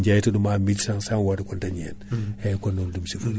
won hewɓe hutoriɓe ɗum ji hen sagoji mumen